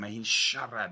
Mae hi'n siarad.